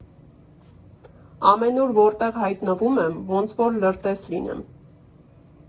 Ամենուր, որտեղ հայտնվում եմ, ոնց որ լրտես լինեմ։